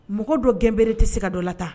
Mɔgɔ dɔn gɛnb tɛ se ka dɔ la tan